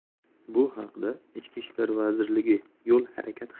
bu haqda ichki ishlar vazirligi yo'l harakati